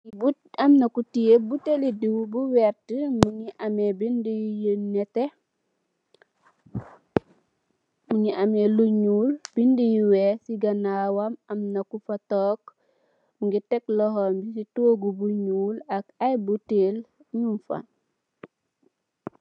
Am na ku tai butail le ndew bu verter mugi am binda yu nete mu nge ameh lu nul binda yu weyh si ganawam am na kufa taw mu ngi tek luhum bi si tugu bu nglu ak ai butail nyu fa.